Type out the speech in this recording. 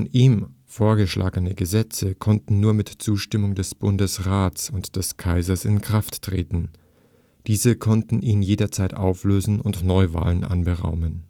ihm vorgeschlagene Gesetze konnten nur mit Zustimmung des Bundesrats und des Kaisers in Kraft treten; diese konnten ihn jederzeit auflösen und Neuwahlen anberaumen